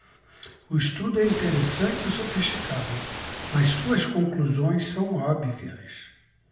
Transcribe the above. o estudo é interessante e sofisticado mas suas conclusões são óbvias